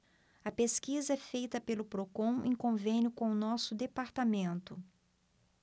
a pesquisa é feita pelo procon em convênio com o diese